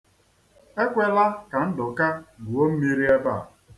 Ekwela ka Nduka gwuo mmiri ebe a.